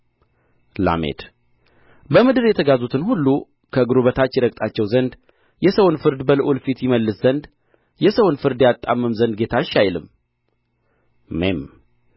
ላሜድ በምድር የተጋዙትን ሁሉ ከእግሩ በታች ይረግጣቸው ዘንድ የሰውን ፍርድ በልዑል ፊት ይመልስ ዘንድ የሰውን ፍርድ ያጣምም ዘንድ ጌታ እሺ አይልም ሜም